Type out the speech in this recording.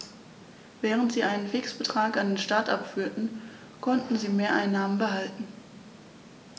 Während sie einen Fixbetrag an den Staat abführten, konnten sie Mehreinnahmen behalten.